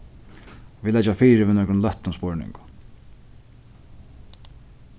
vit leggja fyri við nøkrum løttum spurningum